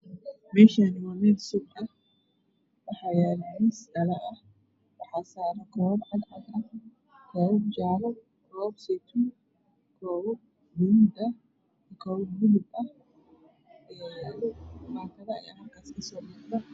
Meeshaani waa meel suuq ah waxaa yaala miis dhala ah waxaa saaran koobab cadcad ah koobab jaale koobab seytuun koobab buluug ah baakada ayaa halkaas kasoo muuqda